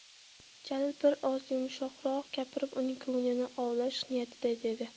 jalil bir oz yumshoqroq gapirib uning ko'nglini ovlash niyatida dedi